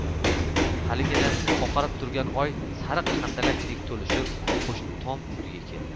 haligina oqarib turgan oy sariq xandalaqdek to'lishib qo'shni tom ustiga keldi